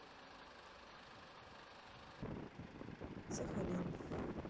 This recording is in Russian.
сахалин